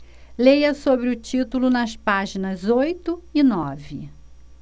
leia sobre o título nas páginas oito e nove